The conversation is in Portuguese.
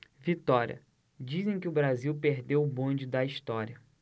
vitória dizem que o brasil perdeu o bonde da história